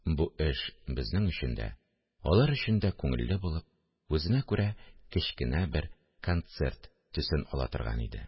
Бу эш безнең өчен дә, алар өчен дә күңелле булып, үзенә күрә кечкенә бер концерт төсен ала торган иде